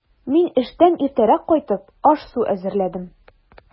Мин, эштән иртәрәк кайтып, аш-су әзерләдем.